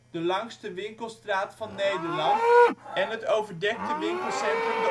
de langste winkelstraat van Nederland, en het overdekte winkelcentrum